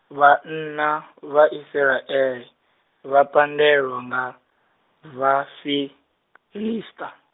vhanna vha Isiraele, vha pandelwa nga, Vhafiḽista.